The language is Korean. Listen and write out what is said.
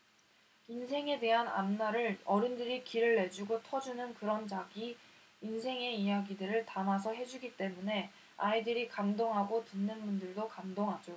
인생에 대한 앞날을 어른들이 길을 내주고 터주는 그런 자기 인생의 이야기들을 담아서 해주기 때문에 아이들이 감동하고 듣는 분들도 감동하죠